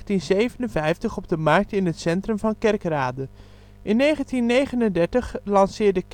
centrum van Kerkrade. In 1939 lanceerde Kerkradenaar